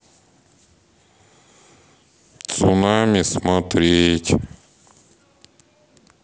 цунами смотреть